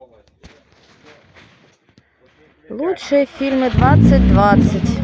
лучшие фильмы двадцать двадцать